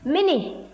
minni